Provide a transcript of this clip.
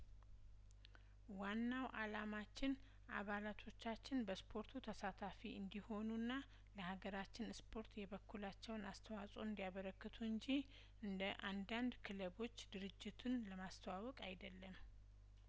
ዋናው አላማችን አባላቶቻችን በስፖርቱ ተሳታፊ እንዲሆኑና ለሀገራችን ስፖርት የበኩላቸውን አስተዋጽኦ እንዲ ያበረክቱ እንጂ እንደአንዳንድ ክለቦች ድርጅትን ለማስተዋወቅ አይደለም